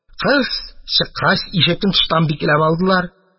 Кыз чыккач, ишекне тыштан бикләп алдылар.